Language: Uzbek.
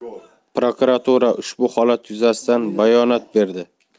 prokuratura ushbu holat yuzasidan bayonot berdi